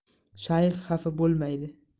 shayx xafa bo'lmaydi